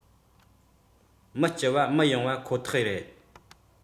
མི སྐྱིད བ མི ཡོང པ ཁོ ཐག རེད